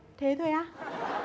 thế thôi á